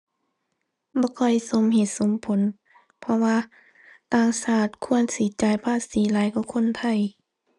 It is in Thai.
บ่ค่อยสมเหตุสมผล เพราะว่าต่างชาติควรสิจ่ายภาษีหลายกว่าคนไทย